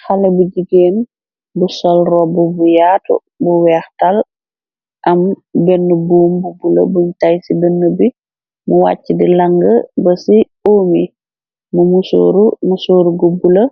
Xale bi jigéen bu sol rob bu yaatu bu weex tal. Am benn buumbubula buñ tay ci bënn bi mu wàcc di lang ba ci uumi. Mu suuru gubbula